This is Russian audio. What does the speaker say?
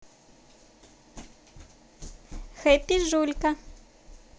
happy жулька